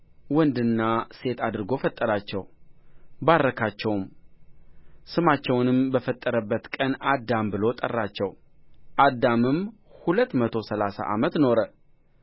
ወንድና ሴት አድርጎ ፈጠራቸው ባረካቸውም ስማቸውንም በፈጠረበት ቀን አዳም ብሎ ጠራቸው አዳምም ሁለት መቶ ሠላሳ ዓመት ኖረ